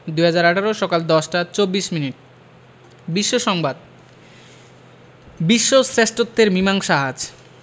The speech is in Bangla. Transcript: ২০১৮ সকাল ১০টা ২৪ মিনিট বিশ্বকাপ সংবাদ বিশ্ব শ্রেষ্ঠত্বের মীমাংসা আজ